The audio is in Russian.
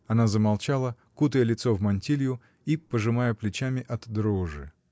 Она замолчала, кутая лицо в мантилью и пожимая плечами от дрожи.